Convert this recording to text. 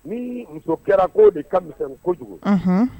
Ni muso kɛra k ko de ka mi kojugu